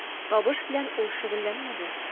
Табыш белән ул шөгыльләнмәде.